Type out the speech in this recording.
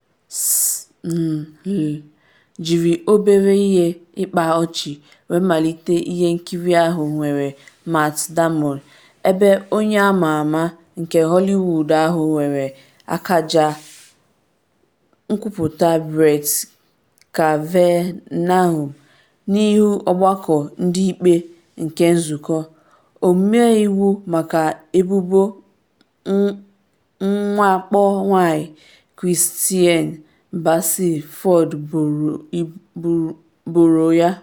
SNL jiri obere ihe ịkpa ọchị wee malite ihe nkiri ahụ nwere Matt Damon, ebe onye ama ama nke Hollywood ahụ mere akaja nkwuputa Brett Kavanaugh n’ihu Ọgbakọ Ndị Ikpe nke Nzụkọ Ọmeiwu maka ebubo mwakpo nwanyị Christine Blasey Ford boro ya.